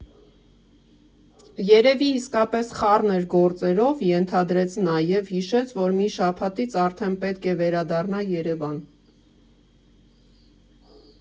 Երևի իսկապես խառն էր գործերով, ենթադրեց նա և հիշեց, որ մի շաբաթից արդեն պետք է վերադառնա Երևան։